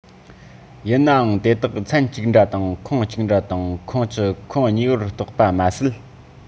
ཡིན ནའང དེ དག ཚན གཅིག འདྲ དང ཁོངས གཅིག འདྲ དང ཁོངས ཀྱི ཁོངས གཉིས པར གཏོགས པ མ ཟད